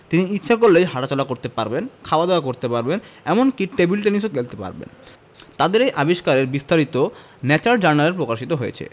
তিনি ইচ্ছা করলে হাটাচলা করতে পারবেন খাওয়া দাওয়া করতে পারবেন এমনকি টেবিল টেনিসও খেলতে পারবেন তাদের এই আবিষ্কারের বিস্তারিত ন্যাচার জার্নালে প্রকাশিত হয়েছে